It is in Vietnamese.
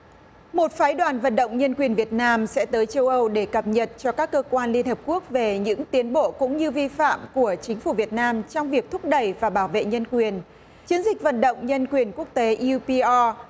một phái đoàn vận động nhân quyền việt nam sẽ tới châu âu để cập nhật cho các cơ quan liên hiệp quốc về những tiến bộ cũng như vi phạm của chính phủ việt nam trong việc thúc đẩy và bảo vệ nhân quyền chiến dịch vận động nhân quyền quốc tế iu pi o